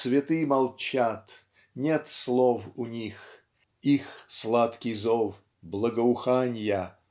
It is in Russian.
Цветы молчат - нет слов у них: Их сладкий зов - благоуханья.